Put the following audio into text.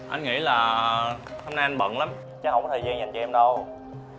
anh nghĩ là ờ hôm nay anh bận lắm chắc hổng có thời gian dành cho em đâu